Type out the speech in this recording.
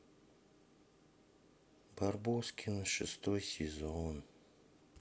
барбоскины шестой сезон